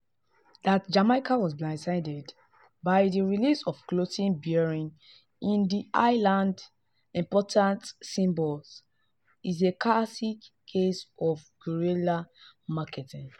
That Jamaica was blindsided by the release of clothing bearing the island’s important symbols is a classic case of guerilla marketing.